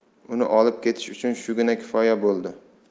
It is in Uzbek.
uni olib ketish uchun shugina kifoya bo'ldi